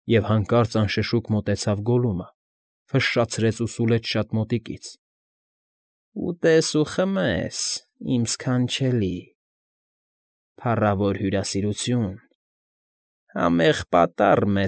Եվ հանկարծ անշշուկ մոտեցավ Գոլլումը ֆշշացրեց ու սուլեց շատ մոտիկից.֊ Ուտես֊ս ու խմես֊ս֊ս, իմ ս֊ս֊ս֊քանչելի… Փառավոր հյուրա֊ս֊սիրություն… համեղ պատառ֊ռ։